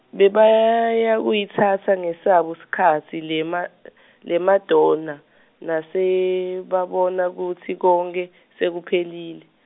Bebayakuyitsatsa ngesabo sikhatsi lema- leMadonna, nasebabona kutsi konkhe, sekuphelile.